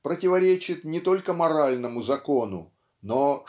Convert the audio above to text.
противоречит не только моральному закону но